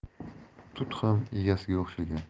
tut ham egasiga o'xshagan